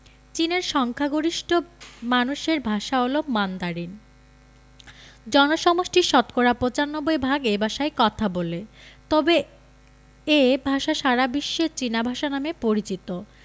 চীনের সংখ্যাগরিষ্ঠ মানুষের ভাষা হলো মান্দারিন জনসমষ্টির শতকরা ৯৫ ভাগ এ ভাষায় কথা বলে তবে এ ভাষা সারা বিশ্বে চীনা ভাষা নামে পরিচিত